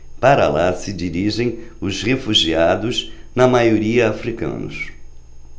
para lá se dirigem os refugiados na maioria hútus